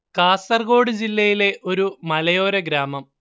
കാസർഗോഡ് ജില്ലയിലെ ഒരു മലയോര ഗ്രാമം